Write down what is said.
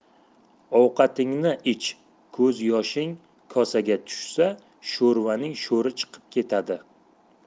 ovqatingni ich ko'zyoshing kosaga tushsa sho'rvaning sho'ri chiqib ketadi